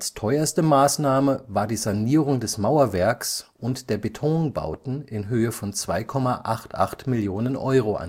teuerste Maßnahme war die Sanierung des Mauerwerks und der Betonbauten in Höhe von 2,88 Mio. Euro